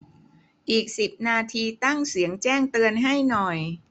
อีกสิบนาทีตั้งเสียงแจ้งเตือนให้หน่อย